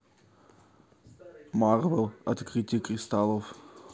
марвел открытие кристаллов